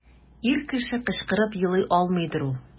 Ир кеше кычкырып елый алмыйдыр ул.